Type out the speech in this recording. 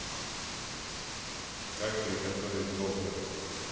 как приготовить довга